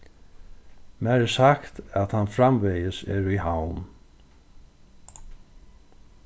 mær er sagt at hann framvegis er í havn